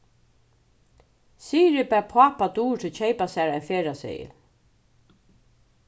sirið bað pápa duritu keypa sær ein ferðaseðil